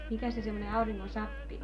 mikäs se semmoinen auringon sappi on